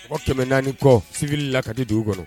O tɛmɛn naani kɔ sibi la kadi dugu u kɔnɔ